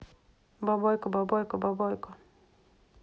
бабайка бабайка бабайка